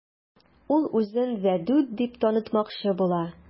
Ул үзен Вәдүт дип танытмакчы була.